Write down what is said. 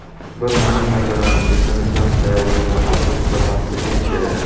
bir muhim masalani esimizdan xayolimizdan aslo chiqarmasligimiz kerak